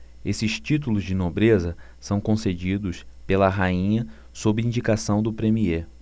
esses títulos de nobreza são concedidos pela rainha sob indicação do premiê